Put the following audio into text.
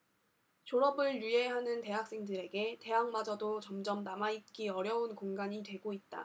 졸업을 유예하는 대학생들에게 대학마저도 점점 남아 있기 어려운 공간이 되고 있다